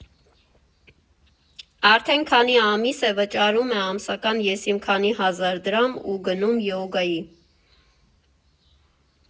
Արդեն քանի ամիս է՝ վճարում է ամսական եսիմ քանի հազար դրամ ու գնում է յոգայի։